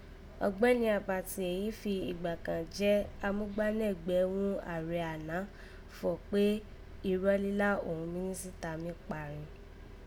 Ọ̀gbẹ́ni Àbàtì èyí fi ìgbà kàn jẹ́ amúgbánẹ̀gbẹ́ ghún ààrẹ àná fọ̀ọ́ kpé ìrọ́ lílá òghun Mínísítà mi kpa rin